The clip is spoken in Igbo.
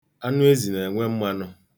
Anụezi na-enwe mmanụ.